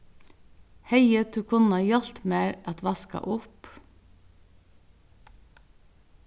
hevði tú kunnað hjálpt mær at vaska upp